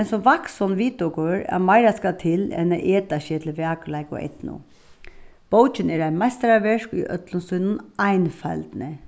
men sum vaksin vita okur at meira skal til enn at eta seg til vakurleika og eydnu bókin er eitt meistaraverk í øllum sínum einfeldni